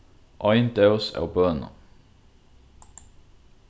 ein dós av bønum